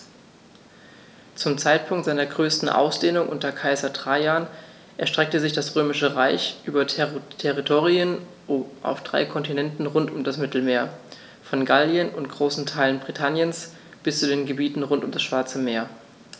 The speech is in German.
Zum Zeitpunkt seiner größten Ausdehnung unter Kaiser Trajan erstreckte sich das Römische Reich über Territorien auf drei Kontinenten rund um das Mittelmeer: Von Gallien und großen Teilen Britanniens bis zu den Gebieten rund um das Schwarze Meer.